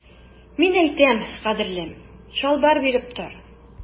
Мин әйтәм, кадерлем, чалбар биреп тор.